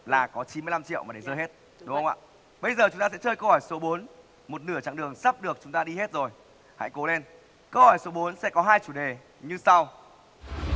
là có chín mươi lăm triệu mà để rơi hết đúng không ạ bây giờ chúng ta sẽ chơi câu hỏi số bốn một nửa chặng đường sắp được chúng ta đi hết rồi hãy cố lên câu hỏi số bốn sẽ có hai chủ đề như sau